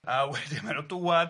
A wedyn maen nhw'n dŵad,